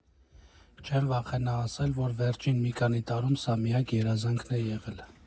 Չեմ վախենա ասել, որ վերջին մի քանի տարում սա իմ միակ երազանքն է եղել։